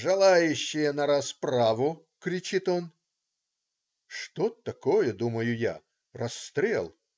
"Желающие на расправу!" - кричит он. "Что такое? - думаю я. - Расстрел?